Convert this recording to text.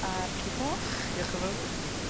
A'r cig moch? Diolch y' fowr.